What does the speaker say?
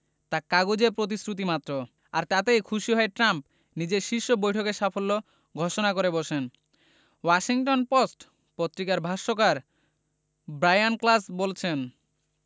তা কাগুজে প্রতিশ্রুতিমাত্র আর তাতেই খুশি হয়ে ট্রাম্প নিজের শীর্ষ বৈঠকের সাফল্য ঘোষণা করে বসেন ওয়াশিংটন পোস্ট পত্রিকার ভাষ্যকার ব্রায়ান ক্লাস বলছেন